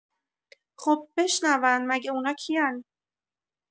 خب بشنون مگه اونا کین؟